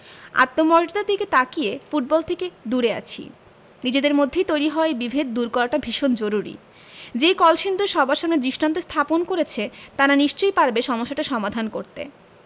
আত্মমর্যাদার দিকে তাকিয়ে ফুটবল থেকে দূরে আছি নিজেদের মধ্যে তৈরি হওয়া এই বিভেদ দূর করাটা ভীষণ জরুরি যে কলসিন্দুর সবার সামনে দৃষ্টান্ত স্থাপন করেছে তারা নিশ্চয়ই পারবে সমস্যাটার সমাধান করতে